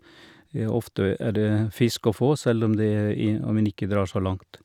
Ofte er det fisk å få selv om det er om en ikke drar så langt.